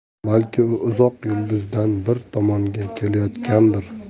balki u uzoq yulduzdan biz tomonga kelayotgandir